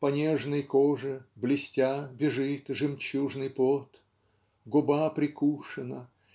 по нежной коже, Блестя, бежит жемчужный пот. Губа прикушена.